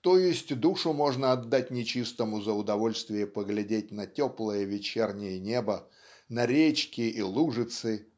То есть душу можно отдать нечистому за удовольствие поглядеть на теплое вечернее небо на речки и лужицы